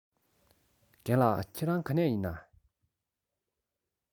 རྒན ལགས ཁྱེད རང ག ནས ཡིན ན